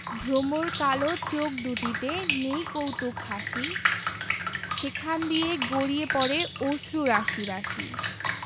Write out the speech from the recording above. ভ্রমর কালো চোখ দুটিতে নেই কৌতুক হাসি সেখান দিয়ে গড়িয়ে পড়ে অশ্রু রাশি রাশি